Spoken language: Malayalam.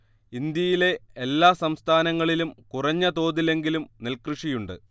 ഇന്ത്യയിലെ എല്ലാ സംസ്ഥാനങ്ങളിലും കുറഞ്ഞ തോതിലെങ്കിലും നെൽക്കൃഷിയുണ്ട്